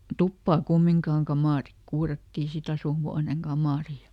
tupaa kumminkaan kamari kuurattiin sitten asuinhuoneen kamari ja